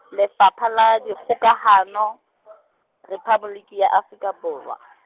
Lefapha la Dikgokahano, Rephaboliki ya Afrika Borwa.